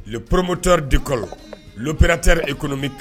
Poromootɔ de kɔnɔ prete e kɔnɔmi